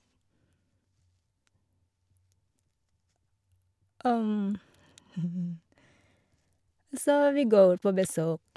Og så vi går på besøk.